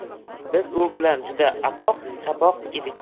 biz u bilan juda apoq chapoq edik